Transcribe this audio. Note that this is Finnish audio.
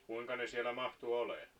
kuinka se siellä mahtui olemaan